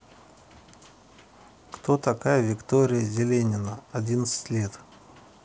кто такая виктория зеленина одиннадцать лет